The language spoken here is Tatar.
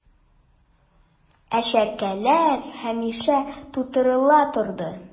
Ә чәркәләр һәмишә тутырыла торды...